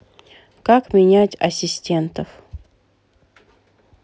как менять ассистентов